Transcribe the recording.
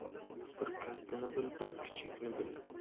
bir kattani bil bir kichikni bil